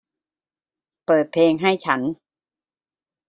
เปิดเพลงให้ฉัน